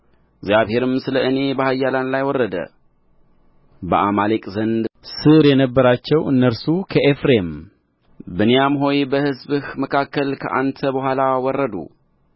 እግዚአብሔርም ስለ እኔ በኃያላን ላይ ወረደ በአማሌቅ ዘንድ ሥር የነበራቸው እነርሱ ከኤፍሬም ብንያም ሆይ በሕዝብህ መካከል ከአንተ በኋላ ወረዱ